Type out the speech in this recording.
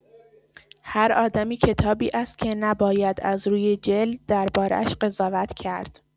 هر آدمی کتابی است که نباید از روی جلد درباره‌اش قضاوت کرد.